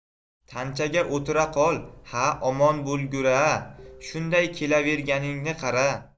tanchaga o'tira qol ha omon bo'lgur a shunday kelaverganingni qara